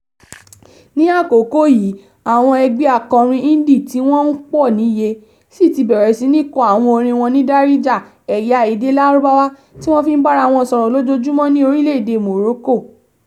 Ní àkókò yìí, àwọn ẹgbẹ́ akọrin indie tí wọ́n ń pọ̀ níye si ti bẹ̀rẹ̀ sí ní kọ àwọn orin wọn ní Darija, ẹ̀yà èdè Lárúbáwá tí wọ́n fi ń bára wọn sọ̀rọ̀ lójoojúmọ́ ní orílẹ̀ èdè Morocco.